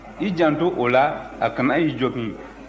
i jan to a la a kana i jogin